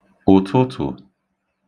ụ̀tụtụ̀